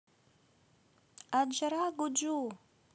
аджара гуджу